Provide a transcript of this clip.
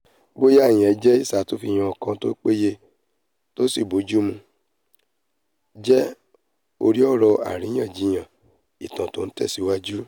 Bóyá ìyẹn jẹ ìsàtúnfihàn kan tó péye tí ó sì bójúmu jẹ́ orí ọ̀rọ̀ àríyànjiyàn ìtàn tó ńtẹ̀síwájú.